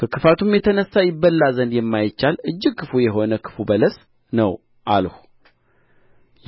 ከክፋቱም የተነሣ ይበላ ዘንድ የማይቻል እጅግ ክፉ የሆነ ክፉ በለስ ነው አልሁ